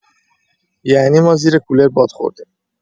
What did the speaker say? یعنی ما زیر کولر باد خوردیم.